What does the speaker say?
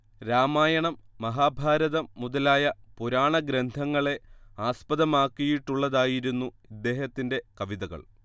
രാമായണം മഹാഭാരതം മുതലായ പുരാണഗ്രന്ഥങ്ങളെ ആസ്പദമാക്കിയിട്ടുള്ളതായിരുന്നു ഇദ്ദേഹത്തിന്റെ കവിതകൾ